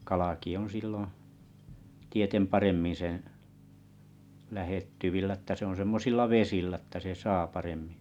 kalakin on silloin tieten paremmin sen lähettyvillä että se on semmoisilla vesillä että se saa paremmin